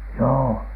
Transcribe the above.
joo